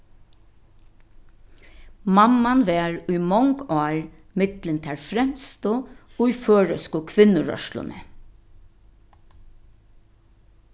mamman var í mong ár millum tær fremstu í føroysku kvinnurørsluni